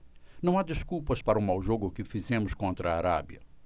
não há desculpas para o mau jogo que fizemos contra a arábia